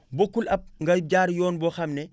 bokkul ak ngay jaar yoon boo xam ne